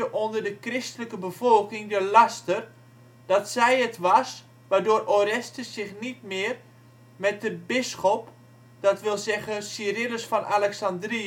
onder de christelijke bevolking de laster, dat zij het was waardoor Orestes zich niet weer met de bisschop [dat wil zeggen Cyrillus van Alexandrië